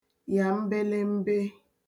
yà mbelembe